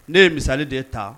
Ne ye misali de ta